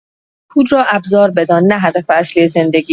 پول را ابزار بدان نه هدف اصلی زندگی.